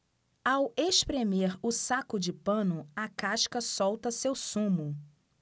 ao espremer o saco de pano a casca solta seu sumo